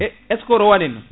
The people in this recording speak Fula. et est ce que rawane henna